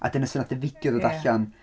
A dyna sut wnaeth y fideo... Ie. ...Ddod allan.